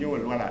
ñëwal voilà